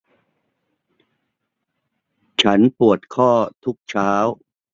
ฉันปวดข้อทุกเช้า